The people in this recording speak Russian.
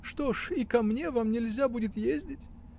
Что ж, и во мне вам нельзя будет ездить?